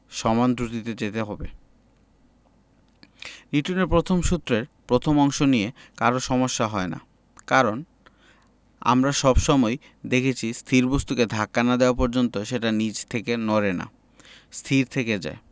সমান দ্রুতিতে যেতে হবে নিউটনের প্রথম সূত্রের প্রথম অংশ নিয়ে কারো সমস্যা হয় না কারণ আমরা সব সময়ই দেখেছি স্থির বস্তুকে ধাক্কা না দেওয়া পর্যন্ত সেটা নিজে থেকে নড়ে না স্থির থেকে যায়